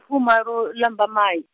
fumalo, Lambamai.